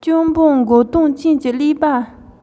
སྤྱང པོ མགོ སྟོང ཅན གྱི ཀླད པ